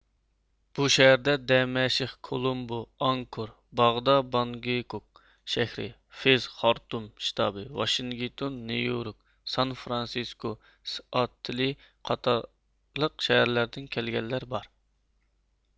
بۇ شەھەردە دەمەشق كولومبو ئاڭكور باغدا بانگكوك شەھىرى فېز خارتۇم شتابى ۋاشىنگتون نيۇ يورك سان فرانسىسكو سېئاتتلې قاتارلىقلار قاتارلىق شەھەردىن كەلگەنلەر بار